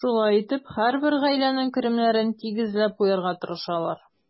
Шулай итеп, һәрбер гаиләнең керемнәрен тигезләп куярга тырышалар.